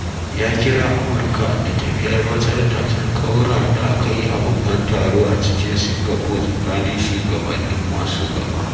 Ya kira Amurka da ta bi aiwatar da alkawura da aka yi a babban taro a cikin Singapore tsakanin shugabannin masu gaba.